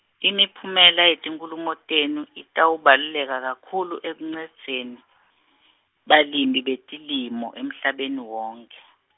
imiphumela yetinkhulumo tenu, itawubaluleka kakhulu ekuncendzeni, balirni betilimo, emhlabeni wonkhe.